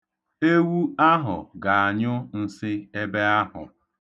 Ewu ahụ ga-anyụ nsị ebe ahụ.